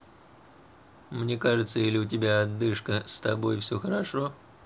мне кажется или у тебя одышка с тобой все хорошо